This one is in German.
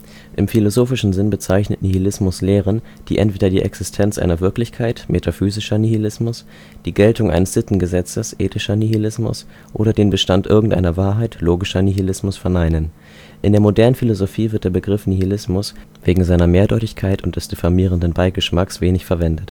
philosophischen Sinn bezeichnet Nihilismus Lehren, die entweder die Existenz einer Wirklichkeit (metaphysischer Nihilismus), die Geltung eines Sittengesetzes (ethischer Nihilismus) oder den Bestand irgendeiner Wahrheit (logischer Nihilismus) verneinen. In der modernen Philosophie wird der Begriff Nihilismus wegen seiner Mehrdeutigkeit und des diffamierenden Beigeschmacks wenig verwendet